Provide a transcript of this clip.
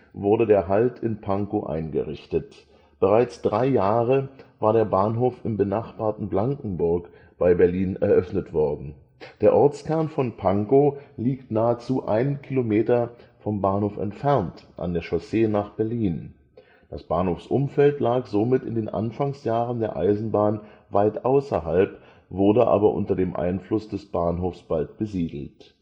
wurde der Halt in Pankow eingerichtet. Bereits drei Jahre war der Bahnhof im benachbarten Blankenburg (bei Berlin) eröffnet worden. Ehemaliges Schalthaus Der Ortskern von Pankow liegt nahezu einen Kilometer vom Bahnhof entfernt an der Chaussee nach Berlin. Das Bahnhofsumfeld lag somit in den Anfangsjahren der Eisenbahn weit außerhalb, wurde aber unter dem Einfluss des Bahnhofs bald besiedelt